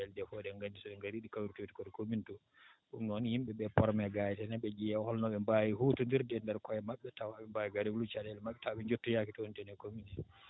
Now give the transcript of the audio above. sabu caɗele ɗe fof eɗen nganndi so ɗe ngarii ɗe kawritoyta ko to commune too ɗum noon yimɓe ɓe pormé gaa hay so ne ɓe ƴeewa holno ɓe mbaawi huutonndirde e ndeer koye maɓɓe tawa eɓe mbaawi kadi reglude caɗeele maɓɓe taw ɓe njettoyaaki toon te ne commune hee